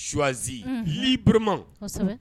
Suwaz bma